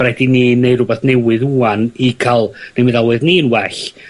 rhaid i ni neu' rwbath newydd ŵan i ca'l ein meddalwedd ni'n well.